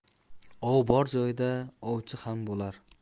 ov bor joyda ovchi ham bo'lar